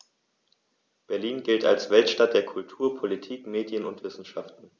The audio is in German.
Berlin gilt als Weltstadt der Kultur, Politik, Medien und Wissenschaften.